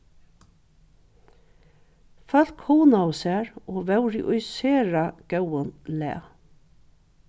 fólk hugnaðu sær og vóru í sera góðum lag